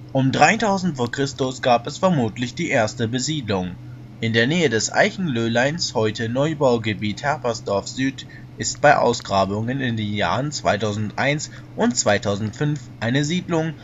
Um 3000 v. Chr. gab es vermutlich die erste Besiedlung. In der Nähe des Eichenlöhleins (heute Neubaugebiet Herpersdorf Süd) ist bei Ausgrabungen in den Jahren 2001 und 2005 eine Siedlung